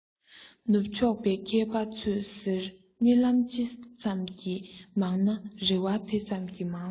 ནུབ ཕྱོགས པའི མཁས པ ཚོས ཟེར རྨི ལམ ཅི ཙམ གྱིས མང ན རེ བ དེ ཙམ གྱིས མང ཟེར